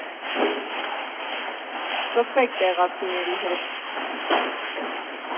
Շփվեք տեղացիների հետ։